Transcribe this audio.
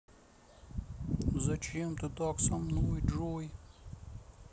зачем ты так со мной джой